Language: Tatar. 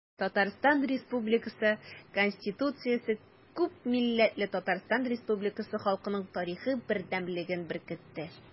Татарстан Республикасы Конституциясе күпмилләтле Татарстан Республикасы халкының тарихы бердәмлеген беркетте.